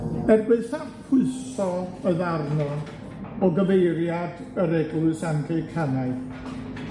Er gwaetha pwyso oedd arno o gyfeiriad yr Eglwys Anglicanaidd,